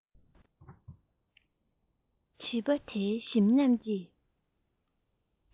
བྱིས པ དེའི ཞིམ ཉམས ཀྱི